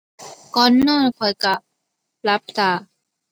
ก่อนนอนข้อยก็หลับตา